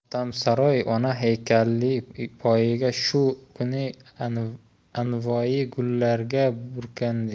motamsaro ona haykali poyi shu kuni anvoyi gullarga burkandi